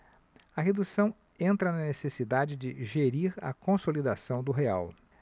a redução entra na necessidade de gerir a consolidação do real